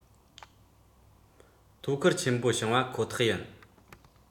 དོ ཁུར ཆེན པོ བྱུང བ ཁོ ཐག ཡིན